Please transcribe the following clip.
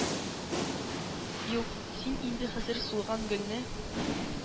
Юк, син инде хәзер сулган гөлне